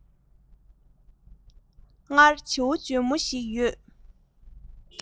སྔར བྱིའུ འཇོལ མོ ཞིག ཡོད